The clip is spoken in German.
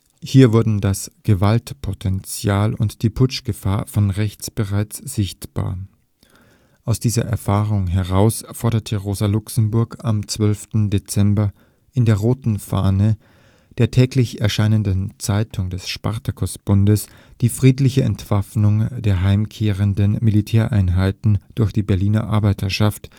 Hier wurden das Gewaltpotential und die Putschgefahr von Rechts bereits sichtbar. Aus dieser Erfahrung heraus forderte Rosa Luxemburg am 12. Dezember in der Roten Fahne, der täglich erscheinenden Zeitung des Spartakusbundes, die friedliche Entwaffnung der heimgekehrten Militäreinheiten durch die Berliner Arbeiterschaft